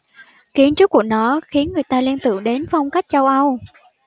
kiến trúc của nó khiến người ta liên tưởng đến phong cách châu âu